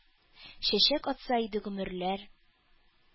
Чәчәк атса иде гомерләр.